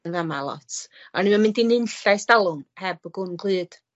Yn fama lot. O'n i'm yn mynd i nunlle e's dalwm heb y gwn glud.